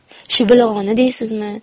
shibilg'oni deysizmi